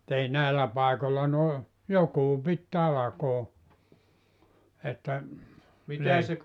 mutta ei näillä paikoilla noin joku piti talkoon että -